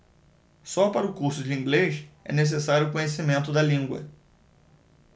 só para o curso de inglês é necessário conhecimento da língua